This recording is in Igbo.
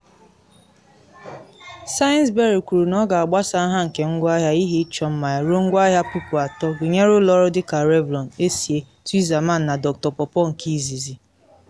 Sainsbury kwuru na ọ ga-abasa nha nke ngwaahịa ihe ịchọ mma ya ruo ngwaahịa 3,000, gụnyere ụlọ ọrụ dị ka Revlon, Essie, Tweezerman na Dr. PawPaw nke izizi.